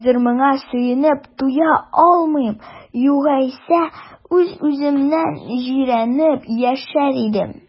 Хәзер моңа сөенеп туя алмыйм, югыйсә үз-үземнән җирәнеп яшәр идем.